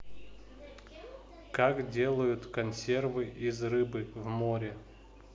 как делают консервы из рыбы в море